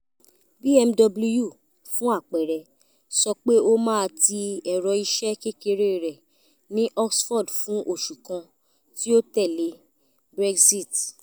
BMW, fún àpẹẹrẹ, sọ pé ò máa ti Ẹ̀rọ iṣẹ́ kékeré rẹ̀ ní Oxford fún oṣù kan tí ó tẹ̀lé Brexit.